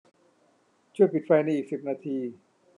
ช่วยปิดไฟในอีกสิบนาที